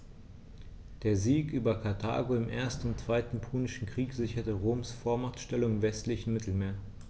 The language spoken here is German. Der Sieg über Karthago im 1. und 2. Punischen Krieg sicherte Roms Vormachtstellung im westlichen Mittelmeer.